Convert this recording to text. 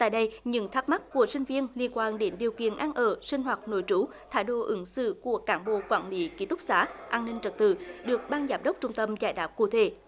tại đây những thắc mắc của sinh viên liên quan đến điều kiện ăn ở sinh hoạt nội trú thái độ ứng xử của cán bộ quản lý ký túc xá an ninh trật tự được ban giám đốc trung tâm giải đáp cụ thể